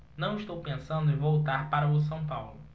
não estou pensando em voltar para o são paulo